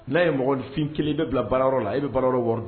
N'a ye mɔgɔnfin 1 i be bila baarayɔrɔ la e be baaroyɔrɔ wɔri dun